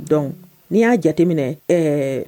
Donc n'i y'a jateminɛ ɛɛ